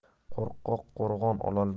qo'rqoq qo'rg'on ololmas